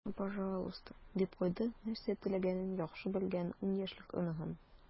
"ну пожалуйста," - дип куйды нәрсә теләгәнен яхшы белгән ун яшьлек оныгым.